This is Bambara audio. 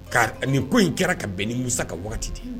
Nka nin ko in kɛra ka bɛn ni nimisa ka waati ye.